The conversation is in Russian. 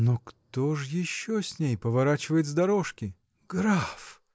но кто ж еще с ней поворачивает с дорожки?. – Граф!